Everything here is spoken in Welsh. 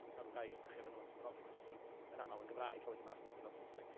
dwi'n cael rhyw gair bach efo nhw, a dwi'n gofyn y cwestiwn yn aml yn Gymraeg, a wedyn mae'r ateb yn dod yn Saesneg.